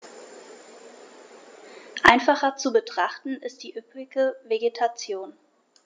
Einfacher zu betrachten ist die üppige Vegetation.